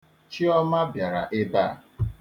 Chiọma bịara ebe a.